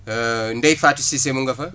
Ndeye Fatou Cissé ma nga fa